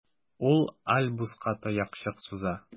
Ул Альбуска таякчык суза.